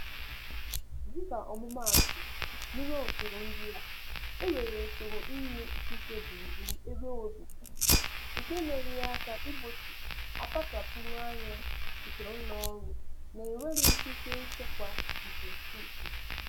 Dịka ọmụmaatụ, n'ime usoro ndị a, e nwere usoro inye ikike gburugburu ebe obibi, nke na-enyere aka igbochi akpachapụghị anya nke ụlọọrụ na enweghị ikike nchekwa nke Steeti.